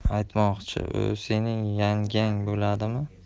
aytmoqchi u sening yangang boladimi